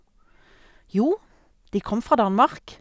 Jo, de kom fra Danmark.